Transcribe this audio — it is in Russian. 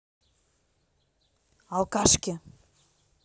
алкашки